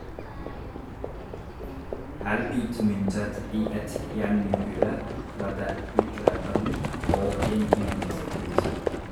Her utmyntet i et jernuhyre fra det ytre rom og en jordisk gutt.